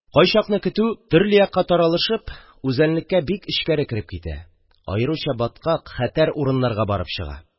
Кайчакны көтү төрле якка таралышып үзәнлеккә бик эчкәре кереп китә, аеруча баткак, хәтәр урыннарга барып чыга.